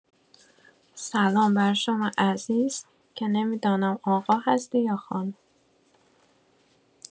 سلام بر شما عزیز که نمی‌دانم آقا هستی یا خانم.